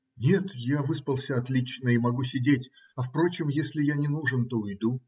- Нет, я выспался отлично и могу сидеть; а впрочем, если я не нужен, то уйду.